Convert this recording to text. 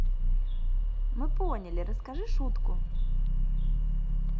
мы поняли расскажи шутку